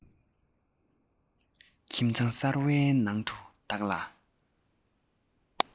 ཁྱིམ ཚང གསར བའི ནང དུ བདག ལ